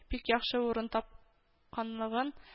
Бик яхшы урын тап канлыгын